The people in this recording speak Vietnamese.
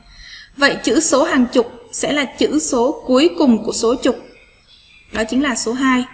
vậy chữ số hàng chục sẽ là chữ số cuối cùng của số chục đó chính là số